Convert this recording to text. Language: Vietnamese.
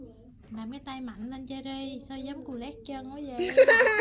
làm cái tay mạnh lên che ri sao giống cù lét chân quá vậy